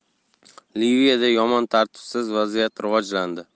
liviyada yomon tartibsiz vaziyat rivojlandi